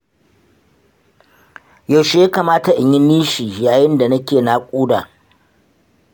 yaushe ya kamata inyi nishi yayin da nake naƙuda